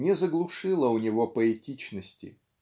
не заглушила у него поэтичности.